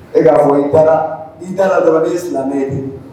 E k'a fɔ i taara i t' dɔrɔn ii silamɛmɛ ye de